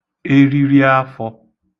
eririafọ̄